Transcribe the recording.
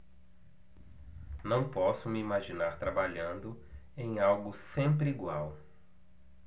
não posso me imaginar trabalhando em algo sempre igual